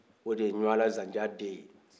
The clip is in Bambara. o de ye ɲwala zanjan den ye